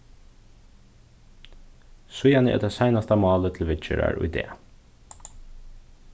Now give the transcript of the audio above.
síðani er tað seinasta málið til viðgerðar í dag